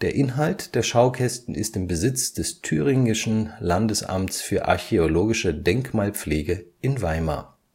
Inhalt der Schaukästen ist im Besitz des Thüringischen Landesamts für Archäologische Denkmalpflege (TLAD) in Weimar